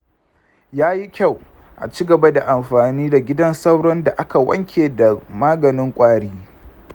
yayi kyau; acigaba da anfani da gidan sauro da aka wanke da maganin kwari.